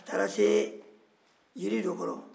a taara se jiri dɔ kɔrɔ